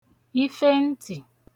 ife ntị̀